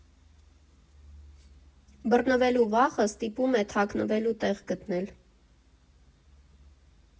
Բռնվելու վախը ստիպում է թաքնվելու տեղ գտնել։